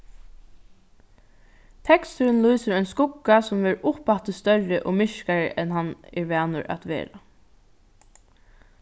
teksturin lýsir ein skugga sum verður uppaftur størri og myrkari enn hann er vanur at vera